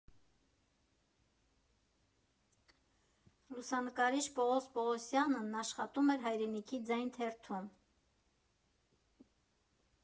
Լուսանկարիչ Պողոս Պողոսյանն աշխատում էր «Հայրենիքի ձայն» թերթում։